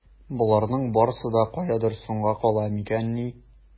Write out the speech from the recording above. Боларның барсы да каядыр соңга кала микәнни?